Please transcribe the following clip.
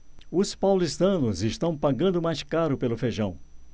os paulistanos também estão pagando mais caro pelo feijão